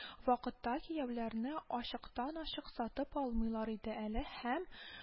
Вакытта кияүләрне ачыктан-ачык сатып алмыйлар иде әле һәм…